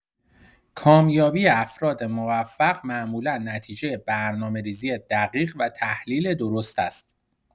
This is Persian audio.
کامیابی افراد موفق معمولا نتیجه برنامه‌ریزی دقیق و تحلیل درست است.